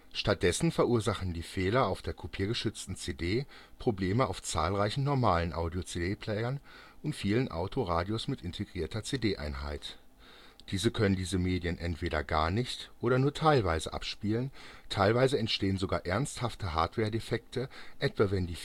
Stattdessen verursachen die Fehler auf der „ kopiergeschützten “CD Probleme auf zahlreichen normalen Audio-CD-Spielern und vielen Autoradios mit integrierter CD-Einheit. Diese können diese Medien entweder gar nicht oder nur teilweise abspielen, teilweise entstehen sogar ernsthafte Hardware-Defekte, etwa wenn